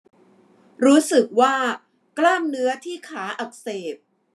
รู้สึกว่ากล้ามเนื้อที่ขาอักเสบ